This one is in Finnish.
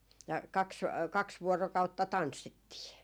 ja kaksi kaksi vuorokautta tanssittiin